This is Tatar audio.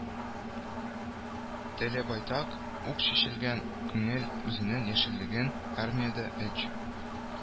Теле байтак ук чишелгән күңел үзенең яшьлеген, армиядә өч